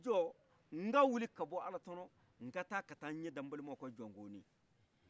i jɔ ŋa wili ka bɔ alatɔnɔ ŋa taa ka taa ɲɛda mbalimau kan jɔnkoloni